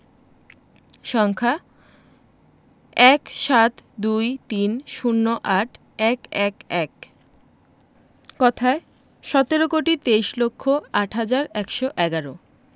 সংখ্যা ১৭২৩০৮১১১ কথায় সতেরো কোটি তেইশ লক্ষ আট হাজার একশো এগারো